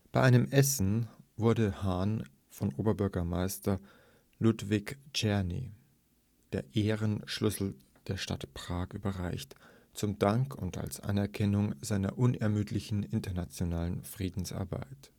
einem Essen wurde Hahn von Oberbürgermeister Ludvík Cerný der „ Ehrenschlüssel der Stadt Prag “überreicht, zum Dank und als Anerkennung seiner unermüdlichen internationalen Friedensarbeit